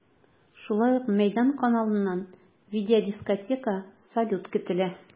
Шулай ук “Мәйдан” каналыннан видеодискотека, салют көтелә.